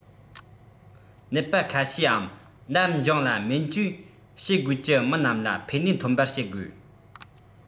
ནད པ ཁ ཤས འམ ནར འགྱངས ལ སྨན བཅོས བྱེད དགོས ཀྱི མི རྣམས ལ ཕན ནུས ཐོན པར བྱེད དགོས